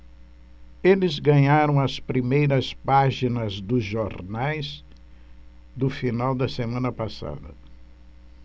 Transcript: eles ganharam as primeiras páginas dos jornais do final da semana passada